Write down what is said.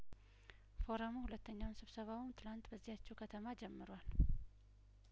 ፎረሙ ሁለተኛውን ስብሰባውን ትላንት በዚያችው ከተማ ጀምሯል